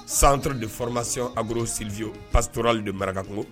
Centre de formation agro Silvio pastorale de Marakakungo